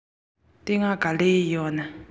གང སར སོང ནས ཉལ ས བཙལ ཡང མ རྙེད